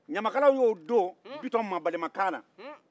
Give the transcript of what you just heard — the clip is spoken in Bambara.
ɲamakalaw y'o don bitɔn mabalimakan na